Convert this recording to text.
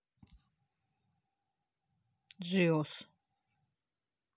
джиос